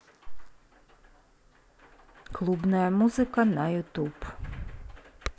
клубная музыка на ютуб